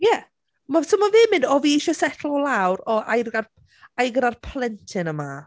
Ie ma' so ma' fe'n mynd, "o fi isio setlo lawr. O a i gyd- a i gyda'r plentyn yma."